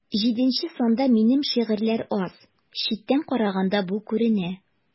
Җиденче санда минем шигырьләр аз, читтән караганда бу күренә.